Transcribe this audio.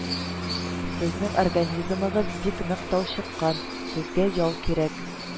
Сезнең организмыгыз бик нык талчыккан, сезгә ял кирәк